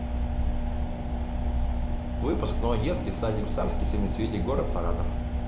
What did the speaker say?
выпускной детский садик в царский семицветик город саратов